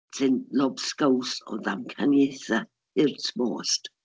sy'n lobsgaws o ddamcaniaethau hurt bost.